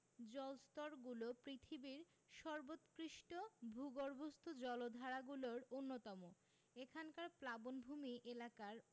জলস্তরগুলো পৃথিবীর সর্বোৎকৃষ্ট ভূগর্ভস্থ জলাধারগুলোর অন্যতম এখানকার প্লাবনভূমি এলাকার